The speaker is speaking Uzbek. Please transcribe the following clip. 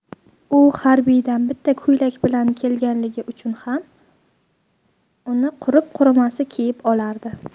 u harbiydan bitta ko'ylak bilan kelganligi uchun ham uni qurir qurimas kiyib olardi